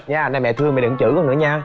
nha nay mẹ thương mẹ đừng có chửi con nữa nha